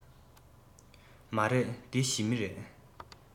མ རེད འདི ཞི མི རེད